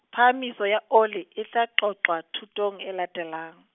phahamiso ya oli e tla qoqwa thutong e latelang.